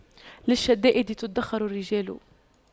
للشدائد تُدَّخَرُ الرجال